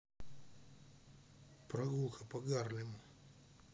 прогулка по гарлему